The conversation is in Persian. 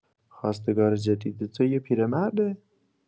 خواستگار جدید تو یه پیرمرده؟